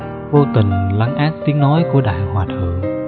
vô tình lấn át tiếng nói của đại hòa thượng